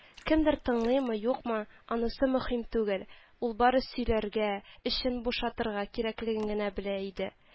Кемдер тыңлыймы-юкмы, анысы мөһим түгел, ул бары сөйләргә, эчен бушатырга кирәклеген генә белә иде